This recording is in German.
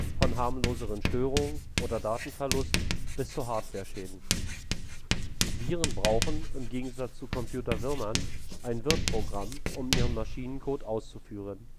von harmloseren Störungen oder Datenverlust bis zu Hardwareschäden. Viren brauchen, im Gegensatz zu Computerwürmern, ein Wirtprogramm, um ihren Maschinencode auszuführen